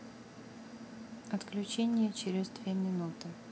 отключение через две минуты